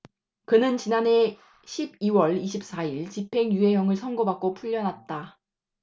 그는 지난해 십 이 월 이십 사 일 집행유예형을 선고받고 풀려났다